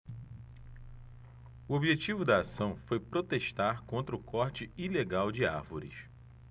o objetivo da ação foi protestar contra o corte ilegal de árvores